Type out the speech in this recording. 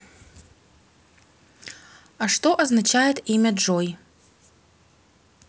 а что означает имя джой